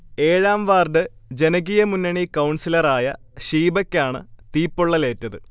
ഏഴാം വാർഡ് ജനകീയ മുന്നണി കൗൺസിലറായ ഷീബക്ക് ആണ് തീപൊള്ളലേറ്റത്